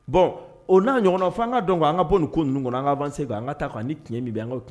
Bon o n'a ɲɔgɔnna, fo an ka dɔn, an ka bɔ nin ko ninnu kɔnɔ. An ka avancé quoi . An ka taa, ni tiɲɛ min bɛ yen an ka